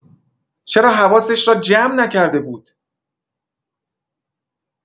چرا حواسش را جمع نکرده بود؟